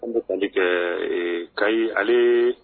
An bɛ taa ka ka ɲi ale